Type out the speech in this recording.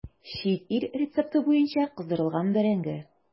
Чит ил рецепты буенча кыздырылган бәрәңге.